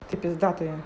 ты пиздатые